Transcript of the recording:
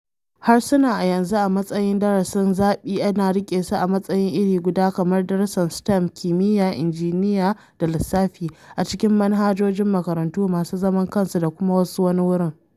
Harsuna a yanzu, a matsayin darasin zaɓi, ana riƙe su a matsayi iri guda kamar darussan STEM (kimiyya, injiniya da lissafi) a cikin manhajojin makarantun masu zaman kansu da kuma wasu wani wurin.